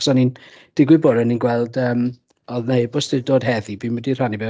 Achos o'n i'n... digwydd bod o'n i'n gweld ymm oedd 'na ebost wedi dod heddi fi ddim wedi rhannu fe.